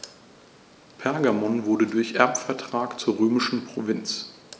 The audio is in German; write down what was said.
Pergamon wurde durch Erbvertrag zur römischen Provinz.